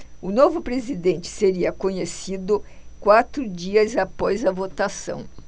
o novo presidente seria conhecido quatro dias após a votação